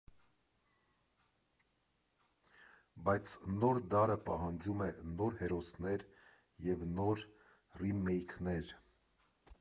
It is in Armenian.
Բայց նոր դարը պահանջում է նոր հերոսներ և նոր ռիմեյքներ։